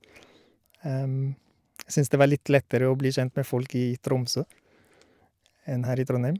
Syns det var litt lettere å bli kjent med folk i Tromsø enn her i Trondheim.